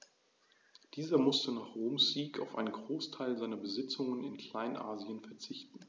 Dieser musste nach Roms Sieg auf einen Großteil seiner Besitzungen in Kleinasien verzichten.